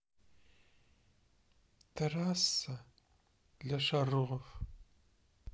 трасса для шаров